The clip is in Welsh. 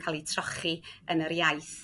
ca'l i trochi yn yr iaith